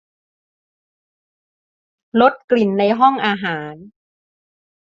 ลดกลิ่นในห้องอาหาร